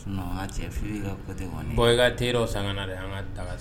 Non n ka cɛ Fifi ka coté kɔni bon i ka te dɔ san ka na an ka daga si